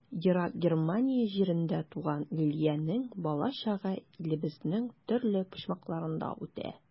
Ерак Германия җирендә туган Лилиянең балачагы илебезнең төрле почмакларында үтә.